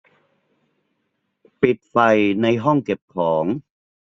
ปิดไฟในห้องเก็บของ